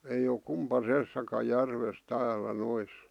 ei ole kumpaisessakaan järvessä täällä noissa